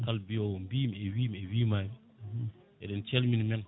kala mbiyo mbimi e wiimi e wimami eɗen calmina men